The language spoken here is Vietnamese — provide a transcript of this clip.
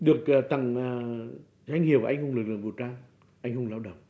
được à tặng à danh hiệu anh hùng lực lượng vũ trang anh hùng lao động